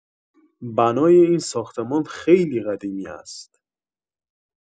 بنای این ساختمان خیلی قدیمی است